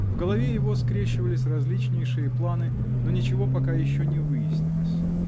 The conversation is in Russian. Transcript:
В голове его скрещивались различнейшие планы, но ничего пока еще не выяснилось.